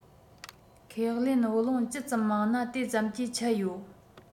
ཁས ལེན བུ ལོན ཇི ཙམ མང ན དེ ཙམ གྱིས ཆད ཡོད